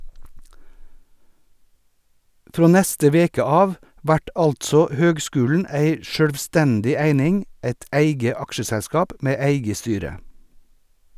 Frå neste veke av vert altså høgskulen ei sjølvstendig eining, eit eige aksjeselskap med eige styre.